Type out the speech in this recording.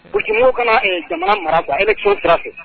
Koumw kana jamana mara yɛrɛ son ta fɛ